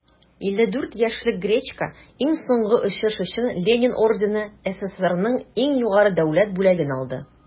54 яшьлек гречко иң соңгы очыш өчен ленин ордены - сссрның иң югары дәүләт бүләген алды.